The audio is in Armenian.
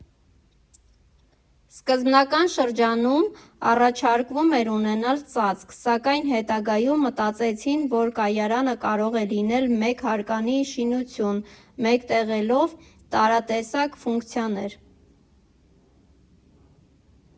Սկզբնական շրջանում առաջարկվում էր ունենալ ծածկ, սակայն հետագայում մտածեցին, որ կայարանը կարող է լինել մեկ հարկանի շինություն՝ մեկտեղելով տարատեսակ ֆունկցիաներ։